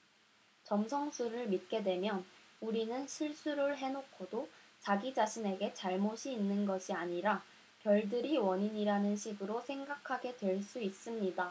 점성술을 믿게 되면 우리는 실수를 해 놓고도 자기 자신에게 잘못이 있는 것이 아니라 별들이 원인이라는 식으로 생각하게 될 수 있습니다